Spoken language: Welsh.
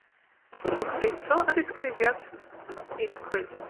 Rhowch deitl a disgrifiad i'ch cwis.